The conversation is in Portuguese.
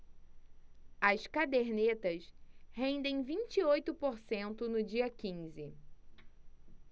as cadernetas rendem vinte e oito por cento no dia quinze